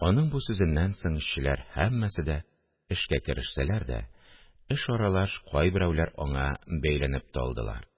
Аның бу сүзеннән соң эшчеләр һәммәсе дә эшкә керешсәләр дә, эш аралаш кайберәүләр аңа бәйләнеп тә алдылар